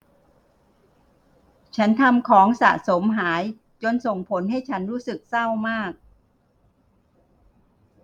ฉันทำของสะสมหายจนส่งผลให้ฉันรู้สึกเศร้ามาก